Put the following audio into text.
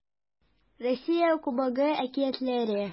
Россия Кубогы әкиятләре